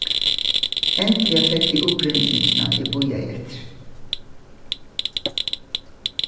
endiliga fekk eg uppringingina eg bíðaði eftir